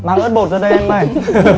mang ớt bột ra đây em ơi